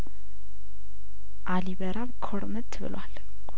አሊ በረሀብ ኩርምት ብሏል